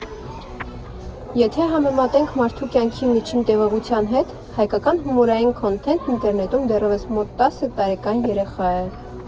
Եթե համեմատենք մարդու կյանքի միջին տևողության հետ, հայկական հումորային քոնթենթն ինտերնետում դեռևս մոտ տասը տարեկան երեխա է։